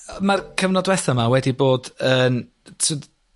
Ma'r cyfnod dwetha' 'ma wedi bod yn t'od